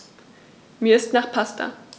Mir ist nach Pasta.